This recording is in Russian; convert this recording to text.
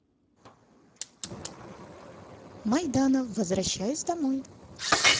майданов возвращаюсь домой